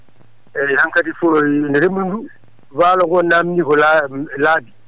eeyi han kadi fof remru ndu waalo naamndi ko laabi